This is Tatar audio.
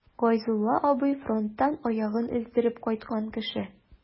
Гайзулла абый— фронттан аягын өздереп кайткан кеше.